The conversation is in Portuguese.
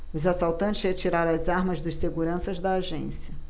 os assaltantes retiraram as armas dos seguranças da agência